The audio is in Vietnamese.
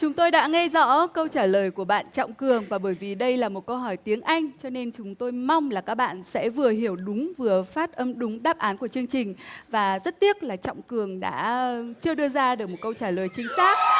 chúng tôi đã nghe rõ câu trả lời của bạn trọng cường và bởi vì đây là một câu hỏi tiếng anh cho nên chúng tôi mong là các bạn sẽ vừa hiểu đúng vừa phát âm đúng đáp án của chương trình và rất tiếc là trọng cường đã chưa đưa ra được một câu trả lời chính xác